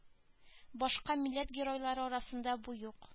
Башка милләт геройлары арасында бу юк